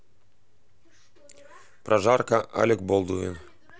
прожарка алек болдуин